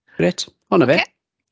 Grêt, o 'na fe.